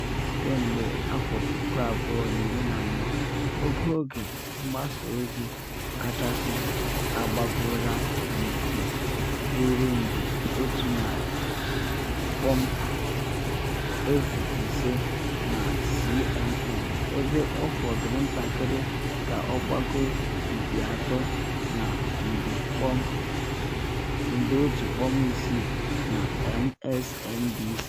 Kemgbe 2014, ogo oge-mgbasa ozi kachasị agbagoola mkpị ruru nde 1.05 na CNN ebe ọ fọdụrụ ntakịrị ka ọ gbagoo mkpị atọ na nde 1.6 na MSNBC.